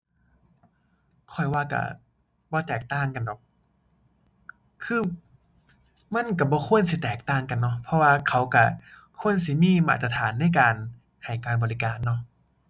ข้อยว่าก็บ่แตกต่างกันดอก คือมันก็บ่ควรสิแตกต่างกันเนาะ เพราะว่าเขาก็ควรสิมีมาตรฐานในการให้การบริการเนาะ